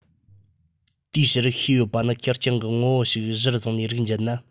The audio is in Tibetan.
དེའི ཕྱིར ཤེས ཡོད པ ནི ཁེར རྐྱང གི ངོ བོ ཞིག གཞིར བཟུང ནས རིགས འབྱེད ན